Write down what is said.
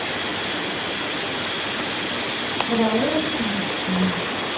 караоке лети